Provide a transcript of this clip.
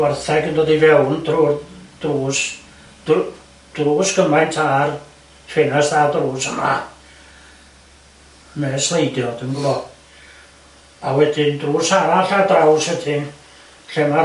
gwartheg yn dod i fewn drw'r drws dr- drws gymaint â ffenasd a drws yma neu sleidio dwi'm yn gwbo a wedyn drws arall ar draws -edyn llle ma'r